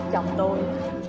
chồng tôi